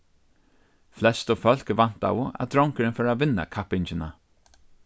flestu fólk væntaðu at drongurin fór at vinna kappingina